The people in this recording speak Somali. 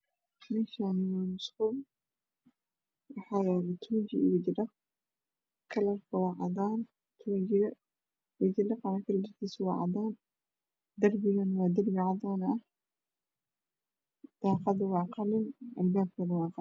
Meeshani wa musqul waxaa yala tunji iyo waji dhaq kalarka tunjiga waa cadan wajidhaqana waa cadan darpigana waa darpi cadan ah daaqada waa qalin alpapkana waa qalin